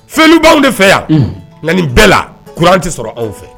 Fɛnbaw de fɛ yan nka nin bɛɛ la kuran tɛ sɔrɔ anw fɛ